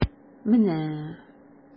Менә...